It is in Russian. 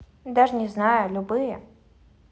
даже не знаю любые